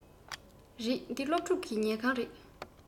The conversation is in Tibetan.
རེད འདི སློབ ཕྲུག གི ཉལ ཁང རེད